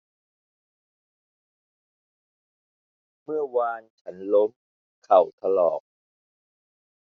เมื่อวานฉันล้มเข่าถลอก